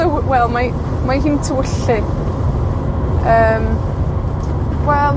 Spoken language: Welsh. tyw- wel, mae, mae hi'n tywyllu. Yym, wel,